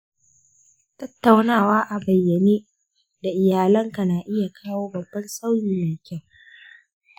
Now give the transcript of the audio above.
tattaunawa a bayyane da iyalanka na iya kawo babban sauyi mai kyau.